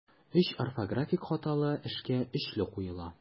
Өч орфографик хаталы эшкә өчле куела.